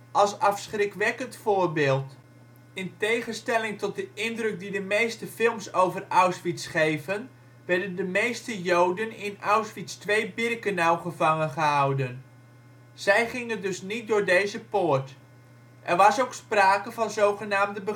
als afschrikwekkend voorbeeld. In tegenstelling tot de indruk die de meeste films over Auschwitz geven, werden de meeste Joden in Auschwitz II-Birkenau gevangen gehouden. Zij gingen dus niet door deze poort. Er was ook sprake van zogenaamde